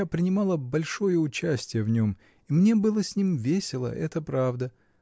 Я принимала большое участие в нем, и мне было с ним весело, это правда.